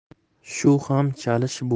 shu ham chalish